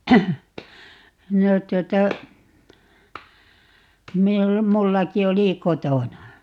no tuota - minullakin oli kotona